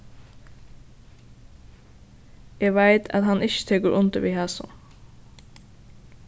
eg veit at hann ikki tekur undir við hasum